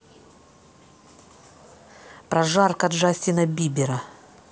прожарка джастина бибера